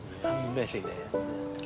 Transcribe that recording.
Ambell i le yndyfe?